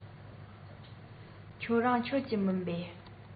ཁྱོད རང མཆོད ཀྱི མིན པས